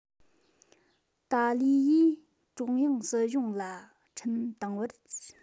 ཏཱ ལའི ཡིས ཀྲུང དབྱང སྲིད གཞུང ལ འཕྲིན བཏང པར